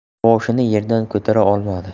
boshini yerdan ko'tara olmadi